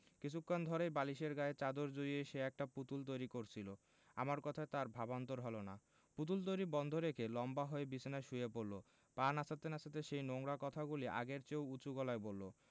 কিছুক্ষণ ধরেই বালিশের গায়ে চাদর জড়িয়ে সে একটা পুতুল তৈরি করছিলো আমার কথায় তার ভাবান্তর হলো না পুতুল তৈরী বন্ধ রেখে লম্বা হয়ে বিছানায় শুয়ে পড়লো পা নাচাতে নাচাতে সেই নোংরা কথাগুলি আগের চেয়েও উচু গলায় বললো